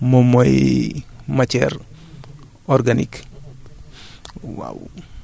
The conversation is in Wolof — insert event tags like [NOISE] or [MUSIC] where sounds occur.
loolu daal ci gàttal moom mooy [HESITATION] matière organique